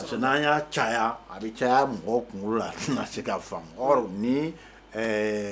Ya caya a bɛ caya mɔgɔ kunkolo la a tɛna se ka ni